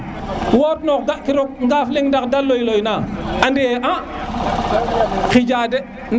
woot noox ga kiro ngaaf leng ndax te loy loy na andi ye a xija de